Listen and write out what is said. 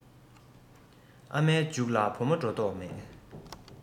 ཨ མའི མཇུག ལ བུ མོ འགྲོ མདོག མེད